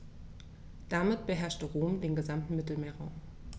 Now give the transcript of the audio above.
Damit beherrschte Rom den gesamten Mittelmeerraum.